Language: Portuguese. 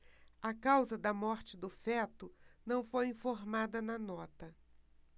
a causa da morte do feto não foi informada na nota